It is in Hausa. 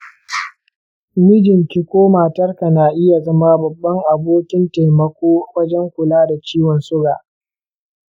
mijinki ko matarka na iya zama babban abokin taimako wajen kula da ciwon suga.